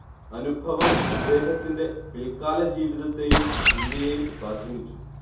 അനുഭവം അദ്ദേഹത്തിന്റെ പിൽക്കാലജീവിതത്തേയും ചിന്തയേയും സ്വാധീനിച്ചു